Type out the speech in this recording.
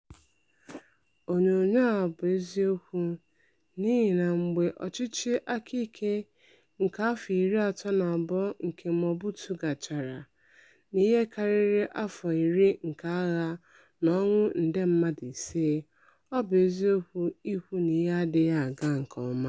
Onyoonyoo a bụ eziokwu n'ihi na mgbe ọchịchị aka ike nke afọ iri atọ na abụọ nke Mobutu gachara, na ihe karịrị afọ iri nke agha na ọnwụ nde mmadụ ise, ọ bụ eziokwu ikwu na ihe adịghị aga nke ọma.